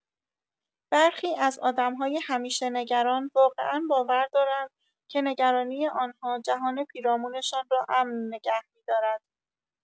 برخی از آدم‌های همیشه‌نگران واقعا باور دارند که نگرانی آن‌ها جهان پیرامونشان را امن نگه می‌دارد.